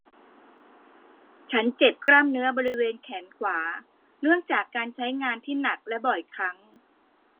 ฉันเจ็บกล้ามเนื้อบริเวณแขนขวาเนื่องจากการใช้งานที่หนักและบ่อยครั้ง